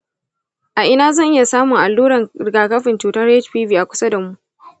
a ina zan iya samun allurar rigakafin cutar hpv a kusa da mu?